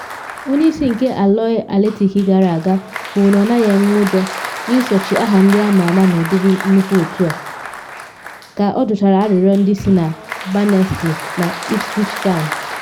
Onye isi nke Alloa Athletic gara aga kwuru na ọ naghị enwe ụjọ n’isochi aha ndị ahụ ama ama n’ụdịrị nnukwu otu ahụ, ka ọ jụchara arịrịọ ndị si na Barnsley na Ipswich Town.